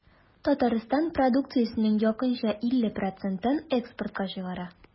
Татарстан продукциясенең якынча 50 процентын экспортка чыгара.